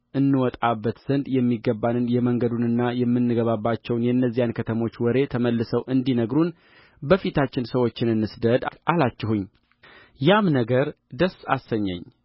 እንወጣበት ዘንድ የሚገባንን የመንገዱንና የምንገባባቸውን የእነዚያን ከተሞች ወሬ ተመልሰው እንዲነግሩን በፊታችን ሰዎች እንስደድ አላችሁኝያም ነገር ደስ አሰኘኝ